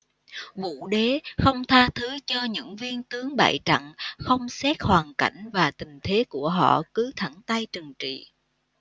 vũ đế không tha thứ cho những viên tướng bại trận không xét hoàn cảnh và tình thế của họ cứ thẳng tay trừng trị